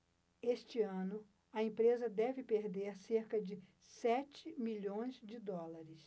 este ano a empresa deve perder cerca de sete milhões de dólares